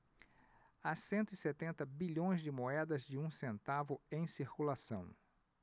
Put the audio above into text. há cento e setenta bilhões de moedas de um centavo em circulação